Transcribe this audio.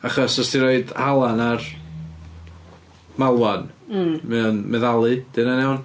Achos os ti'n rhoid halan ar malwan ma'n meddalu. 'Di hynna'n iawn?